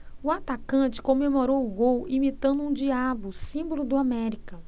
o atacante comemorou o gol imitando um diabo símbolo do américa